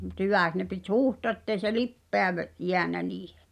mutta hyväksi ne piti huuhtoa että ei se lipeä - jäänyt niihin